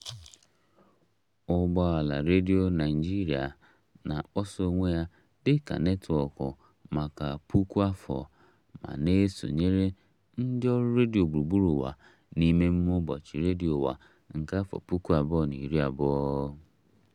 Ụgbọala Radio Nigeria na-akpọsa onwe ya dị ka "netwọk maka puku afọ," ma na-esonyere ndị ọrụ redio gburugburu ụwa n'ime emume Ụbọchị Redio Ụwa nke 2020.